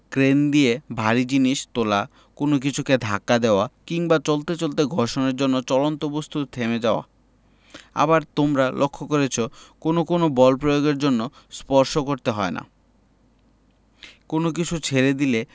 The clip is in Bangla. ক্রেন দিয়ে ভারী জিনিস তোলা কোনো কিছুকে ধাক্কা দেওয়া কিংবা চলতে চলতে ঘর্ষণের জন্য চলন্ত বস্তুর থেমে যাওয়া আবার তোমরা লক্ষ করেছ কোনো কোনো বল প্রয়োগের জন্য স্পর্শ করতে হয় না কোনো কিছু ছেড়ে দিলে